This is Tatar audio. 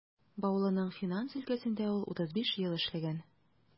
Баулының финанс өлкәсендә ул 35 ел эшләгән.